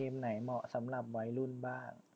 เกมไหนเหมาะสำหรับวัยรุ่นบ้าง